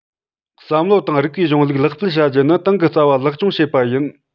བསམ བློ དང རིགས པའི གཞུང ལུགས ལེགས སྤེལ བྱ རྒྱུ ནི ཏང གི རྩ བ ལེགས སྐྱོང བྱེད པ ཡིན